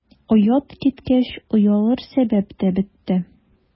Оят киткәч, оялыр сәбәп тә бетте.